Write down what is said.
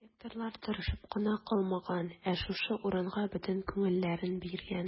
Архитекторлар тырышып кына калмаган, ә шушы урынга бөтен күңелләрен биргән.